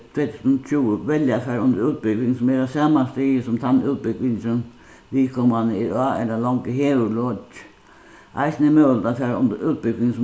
tvey túsund og tjúgu velja at fara undir útbúgving sum er á sama stigi sum tann útbúgvingin viðkomandi er á ella longu hevur lokið eisini er møguligt at fara undir útbúgving